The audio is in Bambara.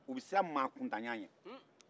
u bɛ siran maakuntanya ɲɛ